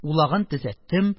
Улагын төзәттем,